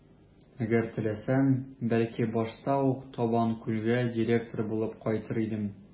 Әгәр теләсәм, бәлки, башта ук Табанкүлгә директор булып кайтыр идем.